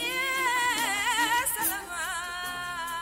Y